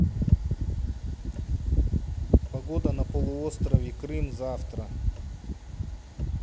погода на полуострове крым завтра